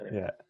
Ie.